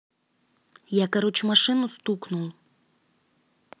я короче машину стукнул